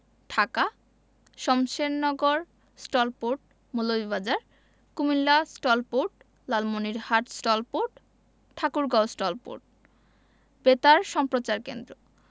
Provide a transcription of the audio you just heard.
Dhaka Shamsernagar STOL port Moulvibazar Comilla STOL port Lalmonirhat STOL port Thakurgaon STOL port বেতার সম্প্রচার কেন্দ্র